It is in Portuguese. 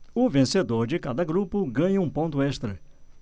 o vencedor de cada grupo ganha um ponto extra